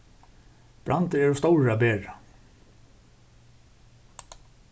brandur er ov stórur at bera